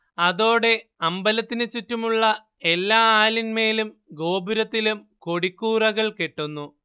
അതോടെ അമ്പലത്തിനു ചുറ്റുമുള്ള എല്ലാ ആലിന്മേലും ഗോപുരത്തിലും കൊടിക്കൂറകൾ കെട്ടുന്നു